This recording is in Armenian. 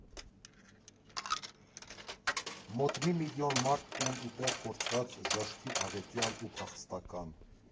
Մոտ մի միլիոն մարդ տուն ու տեղ կորցրած՝ ժաժքի աղետյալ ու փախստական։